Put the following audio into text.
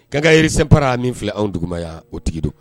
Quincallerie Simpara min filɛ anw duguma yan o tigi don